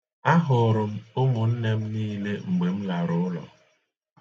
Ahụrụ m ụmụnne m niile mgbe m lara ụlọ.